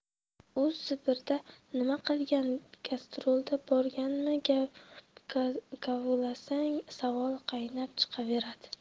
u sibirda nima qilgan gastrolga borganmi gap kavlasang savol qaynab chiqaveradi